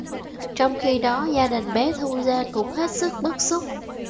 trong khi đó gia đình bé thu giang cũng hết sức bức xúc